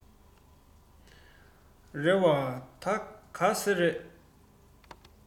རེ བ ད ག ཟེ རེད